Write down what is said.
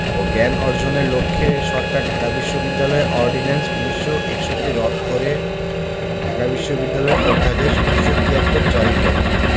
ও জ্ঞান অর্জনের লক্ষ্যে সরকার ঢাকা বিশ্ববিদ্যালয় অর্ডিন্যান্স ১৯৬১ রদ করে ঢাকা বিশ্ববিদ্যালয় অধ্যাদেশ ১৯৭৩ জারি করে